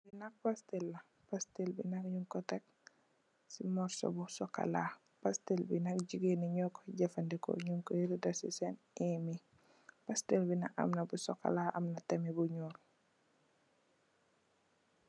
Li nak pastèl la, pastèl bi nak nung ko tekk ci morsu bu sokola. Pastèl bi nak jigéen yi nu koy jafadeko. Nung koy rada ci senn em yi. pastèl bi nak amna bi sokola, amna tamit bu ñuul.